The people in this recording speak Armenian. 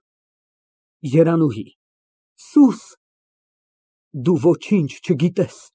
ԵՐԱՆՈՒՀԻ ֊ (Սրտմտությամբ) Սուս, դու ոչինչ չգիտես։